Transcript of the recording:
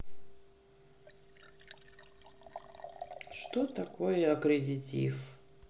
что такое аккредитив